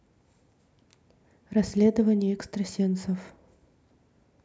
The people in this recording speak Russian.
расследование экстрасенсов